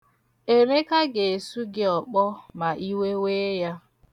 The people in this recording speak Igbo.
Emeka ga-esu gị ọkpọ ma iwe wee ya.